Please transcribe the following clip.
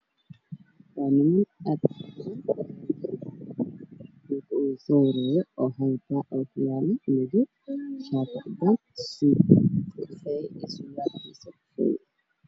Waa nin daba qoyskiisa marayo wuxuuna wataa dameer madow